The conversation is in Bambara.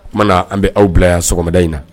O tuma na an bɛ aw bila yan sɔgɔmada in na.